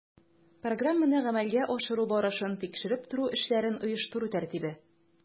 Программаны гамәлгә ашыру барышын тикшереп тору эшләрен оештыру тәртибе